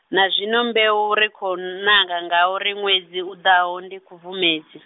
na zwino mbeu ra khou nanga ngauri ṅwedzi uḓaho ndi Khubvumedzi.